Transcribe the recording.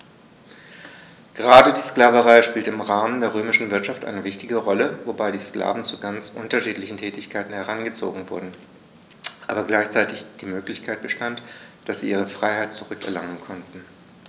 Gerade die Sklaverei spielte im Rahmen der römischen Wirtschaft eine wichtige Rolle, wobei die Sklaven zu ganz unterschiedlichen Tätigkeiten herangezogen wurden, aber gleichzeitig die Möglichkeit bestand, dass sie ihre Freiheit zurück erlangen konnten.